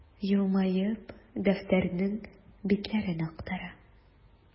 Елмаеп, дәфтәрнең битләрен актара.